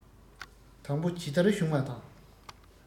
དང པོ ཇི ལྟར བྱུང བ དང